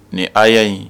Nin a' y'a ɲi